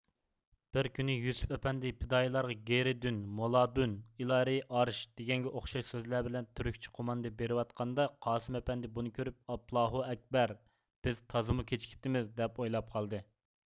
بىر كۈنى يۈسۈپ ئەپەندى پىدائىيلارغا گېرى دۈن مولادۇن ئىلەرى ئارش دېگەنگە ئوخشاش سۆزلەر بىلەن تۈركچە قوماندا بېرىۋاتقاندا قاسىم ئەپەندى بۇنى كۆرۈپ ئاپلاھۇ ئەكبەر بىز تازىمۇ كېچىكىپتىمىز دەپ ئويلاپ قالدى